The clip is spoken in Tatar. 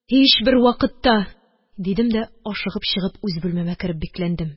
Һичбер вакытта! – дидем дә, ашыгып чыгып, үз бүлмәмә кереп бикләндем.